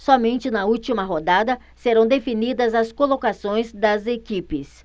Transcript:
somente na última rodada serão definidas as colocações das equipes